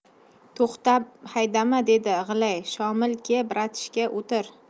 to'xta haydama dedi g'ilay shomil ke bratishka o'tir